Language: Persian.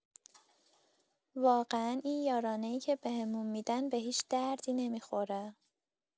واقعا این یارانه‌ای که بهمون می‌دن به هیچ دردی نمی‌خوره!